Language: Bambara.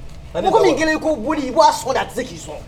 A ko min kelen i' boli i b'a so da a tɛ se k'i sɔn